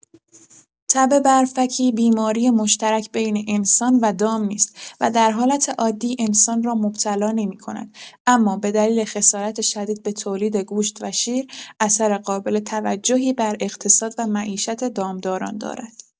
تب برفکی بیماری مشترک بین انسان و دام نیست و در حالت عادی انسان را مبتلا نمی‌کند، اما به دلیل خسارت شدید به تولید گوشت و شیر، اثر قابل توجهی بر اقتصاد و معیشت دامداران دارد.